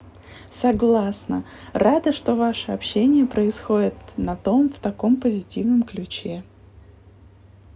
согласна рада что ваше общение происходит на том в таком позитивном ключе